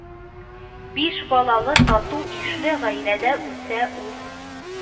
Биш балалы тату ишле гаиләдә үсә ул